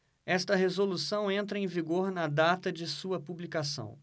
esta resolução entra em vigor na data de sua publicação